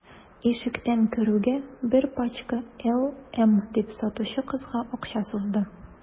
Ишектән керүгә: – Бер пачка «LM»,– дип, сатучы кызга акча сузды.